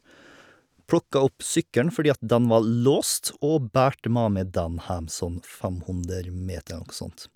Plukka opp sykkelen, fordi at den var låst, og bærte med meg den heim sånn fem hundre meter eller noe sånt.